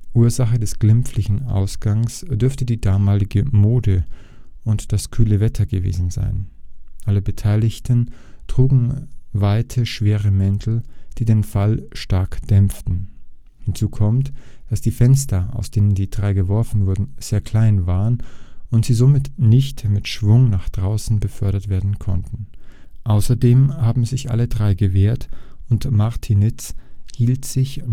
Ursache des glimpflichen Ausgangs dürfte die damalige Mode und das kühle Wetter gewesen sein. Alle Beteiligten trugen weite schwere Mäntel, die den Fall stark dämpften. Hinzu kommt, dass die Fenster, aus denen die drei geworfen wurden, sehr klein waren und sie somit nicht mit Schwung nach draußen befördert werden konnten. Außerdem haben sich alle drei gewehrt und Martinitz hielt sich